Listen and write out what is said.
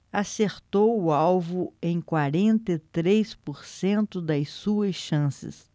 acertou o alvo em quarenta e três por cento das suas chances